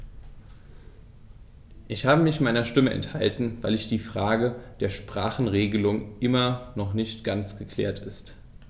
Ich habe mich meiner Stimme enthalten, weil die Frage der Sprachenregelung immer noch nicht ganz geklärt ist.